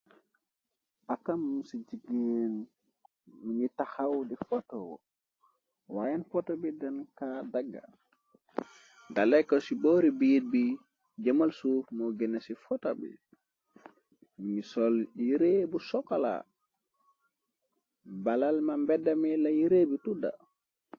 akam ci jigéen mungi taxaw di foto waayeen foto bi dankaa dagga dale ko ci boori biit bi jëmal suuf moo gene ci foto bi mungi sol yiree bu sokola balal ma mbedami la yiree bi tudda.